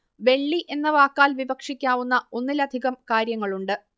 വെള്ളി എന്ന വാക്കാൽ വിവക്ഷിക്കാവുന്ന ഒന്നിലധികം കാര്യങ്ങളുണ്ട്